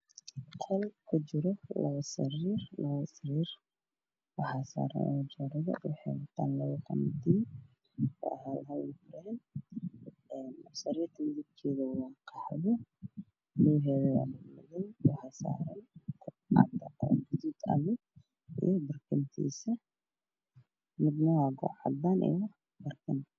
Qol ku jira labo sariir waxaa saaran qashin sariirta midabkeedu waa guduud waxaa ku jira